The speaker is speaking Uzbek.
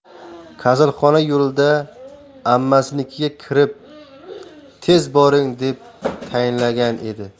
kasalxona yo'lida ammasinikiga kirib tez boring deb tayinlagan edi